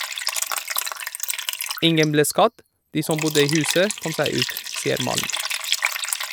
- Ingen ble skadd, de som bodde i huset kom seg ut , sier Malm.